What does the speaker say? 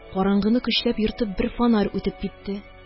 Караңгыны көчләп ертып, бер фонарь үтеп китте.